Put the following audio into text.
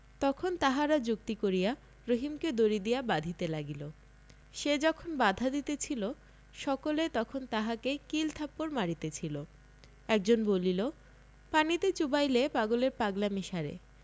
তখন তাহারা যুক্তি করিয়া রহিমকে দড়ি দিয়া বাধিতে গেল সে যখন বাধা দিতেছিল সকলে তখন তাহাকে কিল থাপ্পর মারিতেছিল একজন বলিল পানিতে চুবাইলে পাগলের পাগলামী সারে